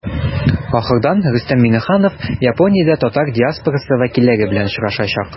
Ахырдан Рөстәм Миңнеханов Япониядә татар диаспорасы вәкилләре белән очрашачак.